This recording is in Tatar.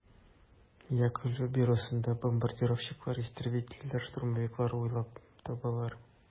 Яковлев бюросында бомбардировщиклар, истребительләр, штурмовиклар уйлап табалар.